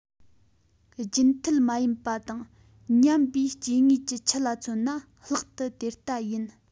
རྒྱུན མཐུད མ ཡིན པ དང ཉམས པའི སྐྱེ དངོས ཀྱི ཁྱུ ལ མཚོན ན ལྷག ཏུ དེ ལྟ ཡིན